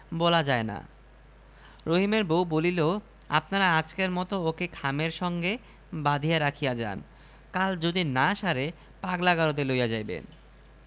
বলা যায় না রহিমের বউ বলিল আপনারা আজকের মতো ওকে খামের সঙ্গে বাঁধিয়া রাখিয়া যান কাল যদি না সারে পাগলা গারদে লইয়া যাইবেন